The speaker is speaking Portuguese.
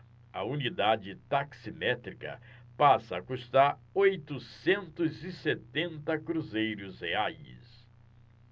a unidade taximétrica passa a custar oitocentos e setenta cruzeiros reais